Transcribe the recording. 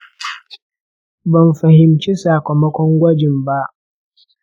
ban fahimci sakamakon gwajin ba.